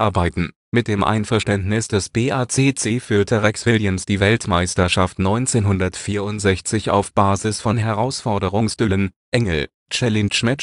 Mit dem Einverständnis des BACC führte Rex Williams die Weltmeisterschaft 1964 auf Basis von Herausforderungs-Duellen (engl.: Challenge